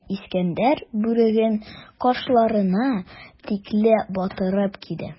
Менә Искәндәр бүреген кашларына тикле батырып киде.